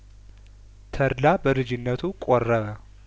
ተድላ በልጅነቱ ቆረበ